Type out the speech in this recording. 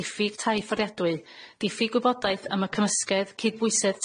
diffyg tai fforiadwy, diffyg gwybodaeth am y cymysgedd cydbwysedd